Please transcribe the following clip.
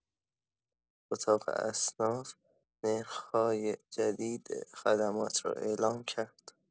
اتاق اصناف نرخ‌های جدید خدمات را اعلام کرد.